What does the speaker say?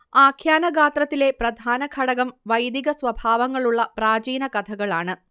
ആഖ്യാനഗാത്രത്തിലെ പ്രധാനഘടകം വൈദികസ്വഭാവങ്ങളുള്ള പ്രാചീനകഥകളാണ്